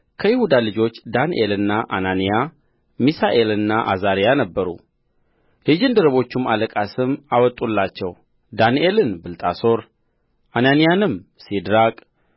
ከይሁዳ ልጆች ዳንኤልና አናንያ ሚሳኤልና አዛርያ ነበሩ የጃንደረቦቹም አለቃ ስም አወጣላቸው ዳንኤልን ብልጣሶር አናንያንም ሲድራቅ